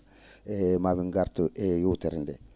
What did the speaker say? e maa min ngartu e yeewtere ndee